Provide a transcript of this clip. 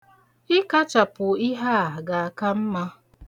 Ịkachapụ ihe a ga-aka mma.